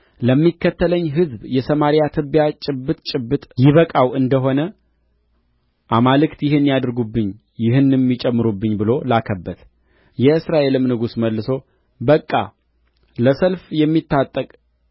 ለሚከተለኝ ሕዝብ የሰማርያ ትቢያ ጭብጥ ጭብጥ ይበቃው እንደ ሆነ አማልክት ይህን ያድርጉብኝ ይህን ይጨምሩብኝ ብሎ ላከበት የእስራኤልም ንጉሥ መልሶ በቃ ለሰልፍ የሚታጠቅ